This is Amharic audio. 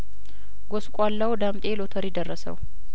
ጐስቋላው ዳምጤ ሎተሪ ደረሰው